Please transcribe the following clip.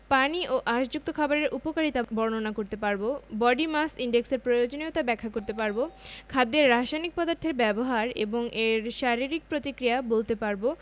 পানি ও আশযুক্ত খাবারের উপকারিতা বর্ণনা করতে পারব বডি মাস ইনডেক্স এর প্রয়োজনীয়তা ব্যাখ্যা করতে পারব খাদ্যে রাসায়নিক পদার্থের ব্যবহার এবং এর শারীরিক প্রতিক্রিয়া বলতে পারব